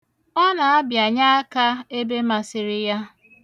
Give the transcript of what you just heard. Ọ na-abịanye aka ebe masiri ya.